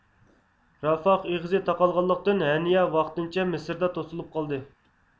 رافاخ ئېغىزى تاقالغانلىقتىن ھەنىيە ۋاقتىنچە مىسىردا توسۇلۇپ قالدى